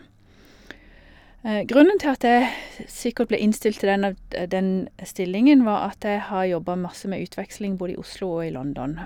Grunnen til at jeg sikkert ble innstilt til den avd den stillingen, var at jeg har jobba masse med utveksling både i Oslo og i London.